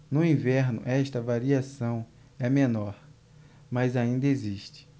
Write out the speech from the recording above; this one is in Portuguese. no inverno esta variação é menor mas ainda existe